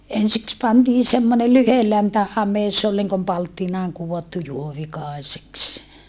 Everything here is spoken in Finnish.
ensiksi pantiin semmoinen lyhyenläntä hame se oli niin kuin palttinaan kudottu juovikaiseksi